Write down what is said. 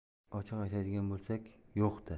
ochiq aytadigan bo'lsak yo'q da